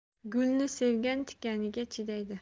gulni sevgan tikaniga chidaydi